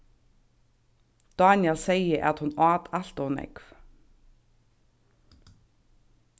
dánjal segði at hon át alt ov nógv